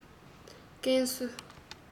ཡུན ནན